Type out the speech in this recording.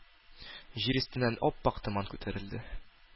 Җир өстеннән ап-ак томан күтәрелде.